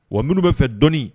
Wa minnu bɛ fɛ dɔɔnini